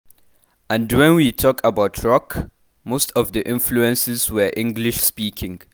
And when we talk about Rock, most of the influences were English-speaking.